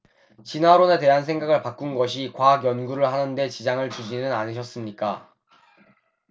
진화론에 대한 생각을 바꾼 것이 과학 연구를 하는 데 지장을 주지는 않았습니까